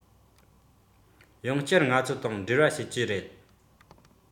གྱི ཕོག ཐུག ཡོང འབབ དམའ བའི ཁྱིམ ཚང གི འཚོ བ རོལ བཞིན ཡོད